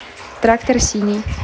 трактор синий